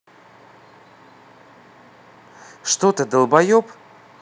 что ты долбоеб